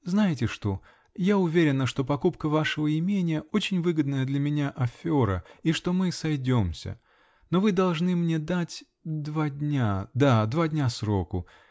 -- Знаете что:я уверена, что покупка вашего имения -- очень выгодная для меня афера и что мы сойдемся но вы должны мне дать. два дня -- да, два дня сроку.